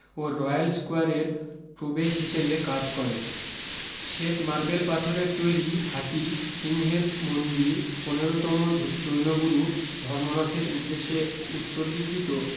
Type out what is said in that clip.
ও royal স্কোয়ারের প্রবেশ হিসেবে কাজ করে শ্বেত মার্বেল পাথরের তৈরী হাতি সিংহের মন্দির পনের তম জৈনগুরু ধর্মনাথের উদ্দেশ্যে উৎসর্গীকৃত